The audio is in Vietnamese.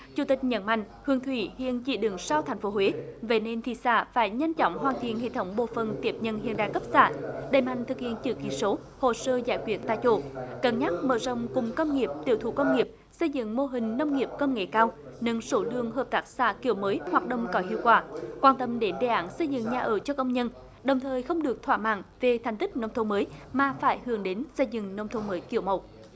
chủ tịch nhấn mạnh hương thủy hiện chỉ đứng sau thành phố huế về nên thị xã phải nhanh chóng hoàn thiện hệ thống bộ phận tiếp nhận hiện đại cấp xã đẩy mạnh thực hiện chữ ký số hồ sơ giải quyết tại chỗ cân nhắc mở rộng cụm công nghiệp tiểu thủ công nghiệp xây dựng mô hình nông nghiệp công nghệ cao nâng số lượng hợp tác xã kiểu mới hoạt động có hiệu quả quan tâm đến đề án xây dựng nhà ở cho công nhân đồng thời không được thỏa mãn về thành tích nông thôn mới mà phải hướng đến xây dựng nông thôn mới kiểu mẫu